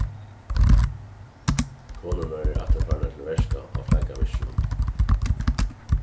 konurnar eru aftur farnar til verka á flakavirkinum